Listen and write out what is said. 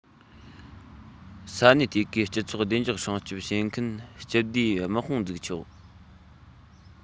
ས གནས དེ གའི སྤྱི ཚོགས བདེ འཇགས སྲུང སྐྱོང བྱེད མཁན སྤྱི བདེའི དམག དཔུང བཙུགས ཆོག